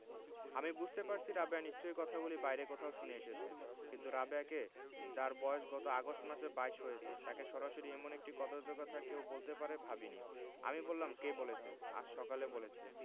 আমি বুঝতে পারছি রাবেয়া নিশ্চয়ই কথাগুলি বাইরে কোথাও শুনে এসেছে কিন্তু রাবেয়াকে যার বয়স গত আগস্ট মাসে বাইশ হয়েছে তাকে সরাসরি এমন একটি কদৰ্য কথা কেউ বলতে পারে ভাবিনি আমি বললাম কে বলেছে আজ সকালে বলেছে